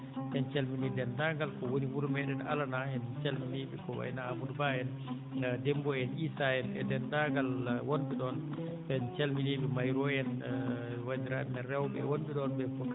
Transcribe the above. en calminii denndaangal ko woni wuro meeɗen Alana en en calminii ɓe ko wayi no Amadou Ba en e Demboy en Issa en e denndaangal wonɓe ɗon en calminii Mayo en wanndiraaɓe men rewɓe wonɓe ɗon ɓe fof